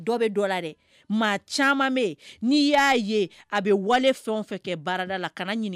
Bɛ la maa caman n'i y'a ye a bɛ wale fɛn fɛ kɛ baarada la ka